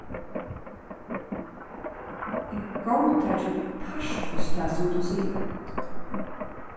eg góðtaki partvíst tað sum tú sigur